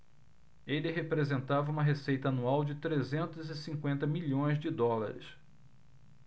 ele representava uma receita anual de trezentos e cinquenta milhões de dólares